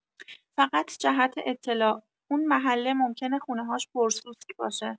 فقط جهت اطلاع اون محله ممکنه خونه‌هاش پر سوسک باشه